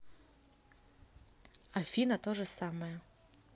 афина тоже самое